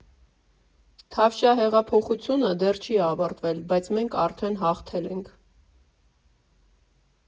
Թավշյա հեղափոխությունը դեռ չի ավարտվել, բայց մենք արդեն հաղթել էնք։